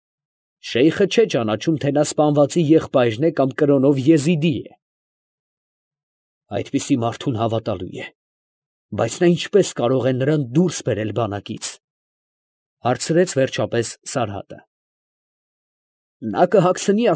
Շեյխը չէ ճանաչում, թե նա սպանվածի եղբայրն է կամ կրոնով եզիդի է։ ֊ Այսպիսի մարդուն հավատալու է, ֊ համոզվեցավ վերջապես Սարհատը։ ֊ Բայց նա ինչպե՞ս կարող է նրան դուրս բերել բանակից։ ֊ Նա կհագցնի։